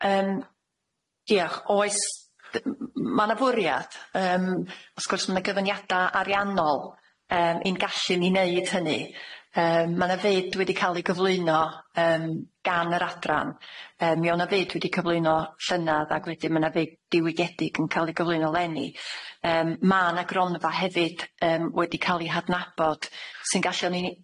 Yym diolch oes m- m- ma' 'na fwriad yym wrth gwrs ma' 'na gyfyniada ariannol yym i'n gallu ni neud hynny yy ma' 'na fud wedi ca'l 'i gyflwyno yym gan yr adran yy mi o' 'na fud wedi cyflwyno llynadd ag wedyn ma' 'na fud diwygiedig yn ca'l ei gyflwyno leni yym ma' 'na gronfa hefyd yym wedi ca'l 'i hadnabod sy'n galluo ni,